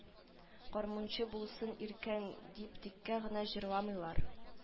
Гармунчы булсын иркәң дип тиккә генә җырламыйлар